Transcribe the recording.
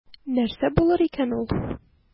Нәрсә булыр икән ул?